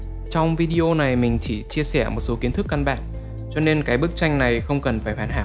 trong video này mình chỉ chia sẻ một số kiến thức căn bản nên bức tranh này không cần phải hoàn hảo